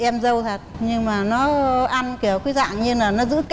em dâu thật nhưng mà nó ăn kiểu cái dạng như là nó giữ